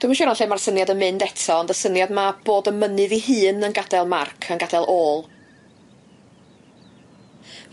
Dwi'm yn siŵr o lle ma'r syniad yn mynd eto ond y syniad 'ma bod y mynydd 'i hun yn gad'el marc a'n gad'el ôl.